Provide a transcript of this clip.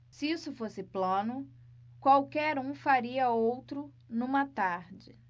se isso fosse plano qualquer um faria outro numa tarde